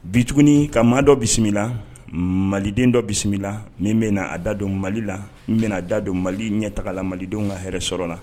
Bit ka maadɔ bisimila bisimila maliden dɔ bisimila bisimila ni bɛna a da don mali la n bɛna da don mali ɲɛ tagala malidenw ka hɛrɛ sɔrɔ la